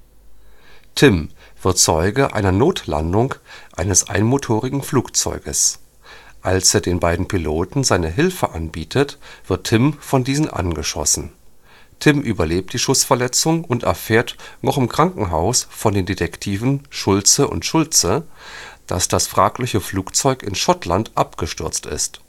Tim wird Zeuge einer Notlandung eines einmotorigen Flugzeugs. Als er den beiden Piloten seine Hilfe anbietet, wird Tim von diesen angeschossen. Tim überlebt die Schussverletzung und erfährt noch im Krankenhaus von den Detektiven Schulze und Schultze, dass das fragliche Flugzeug in Schottland abgestürzt ist